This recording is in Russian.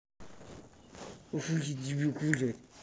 охуеть дебилка блядь